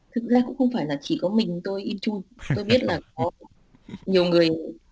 thực ra cũng không phải là chỉ có mình tôi in chui tôi biết là có nhiều người